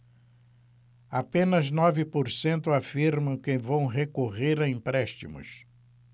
apenas nove por cento afirmam que vão recorrer a empréstimos